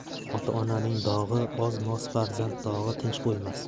ota onaning dog'i oz moz farzand dog'i tinch qo'ymas